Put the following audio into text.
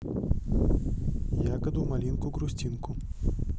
ягоду малинку грустинку